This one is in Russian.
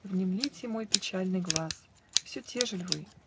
Внемлите мой печальный глас: Все те же ль вы?